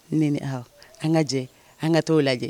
Ne ni aw anw ka jɛ anw ka t'o lajɛ